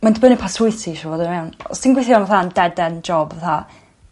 ma'n dibynnu pa swydd ti isio fod i fewn os ti'n gweithio fatha yn dead end job fatha